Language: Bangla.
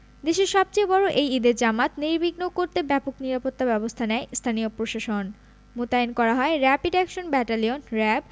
দেশের সবচেয়ে বড় এই ঈদের জামাত নির্বিঘ্ন করতে ব্যাপক নিরাপত্তাব্যবস্থা নেয় স্থানীয় প্রশাসন মোতায়েন করা হয় র ্যাপিড অ্যাকশন ব্যাটালিয়ন র ্যাব